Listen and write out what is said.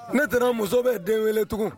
Ne t muso bɛ den wele tugun